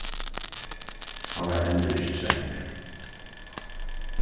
hann var heldur ikki svangur